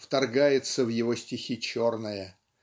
вторгается в его стихи черное.